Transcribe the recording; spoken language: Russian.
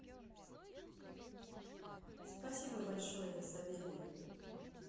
спасибо большое савелия